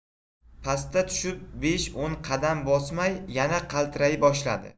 pastga tushib besh o'n qadam bosmay yana qaltiray boshladi